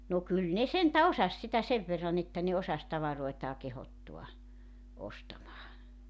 no kyllä ne sentään osasi sitä sen verran että ne osasi tavaroitaan kehottaa ostamaan